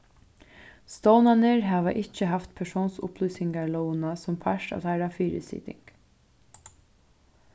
stovnarnir hava ikki havt persónsupplýsingarlógina sum part av teirra fyrisiting